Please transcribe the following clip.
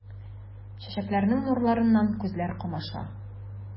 Чәчәкләрнең нурларыннан күзләр камаша.